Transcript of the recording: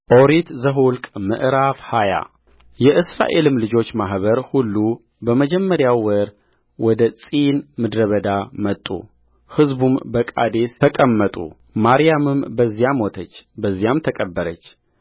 ኦሪት ዘኍልቍ ምዕራፍ ሃያ የእስራኤልም ልጆች ማኅበር ሁሉ በመጀመሪያው ወር ወደ ጺን ምድረ በዳ መጡ ሕዝቡም በቃዴስ ተቀመጡ ማርያምም በዚያ ሞተች በዚያም ተቀበረች